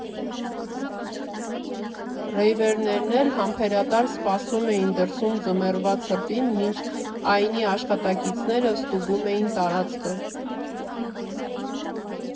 Ռեյվերներն էլ համբերատար սպասում էին դրսում, ձմեռվա ցրտին, մինչ ԱԻՆ֊ի աշխատակիցները ստուգում էին տարածքը։